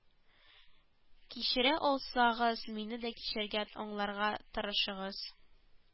Кичерә алсагыз мине дә кичерергә аңларга тырышыгыз